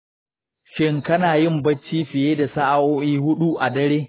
shin kana yin barci fiye da sa’o’i huɗu a dare?